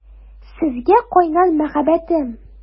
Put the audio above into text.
Сезгә кайнар мәхәббәтем!